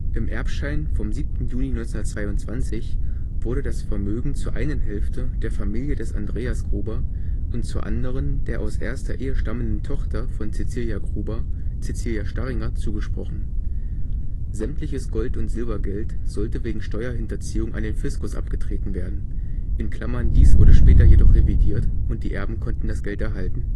Im Erbschein vom 7. Juni 1922 wurde das Vermögen zur einen Hälfte der Familie des Andreas Gruber und zur anderen der aus erster Ehe stammenden Tochter von Cäzilia Gruber, Cäzilia Starringer, zugesprochen. Sämtliches Gold - und Silbergeld sollte wegen Steuerhinterziehung an den Fiskus abgetreten werden (dies wurde später jedoch revidiert und die Erben konnten das Geld erhalten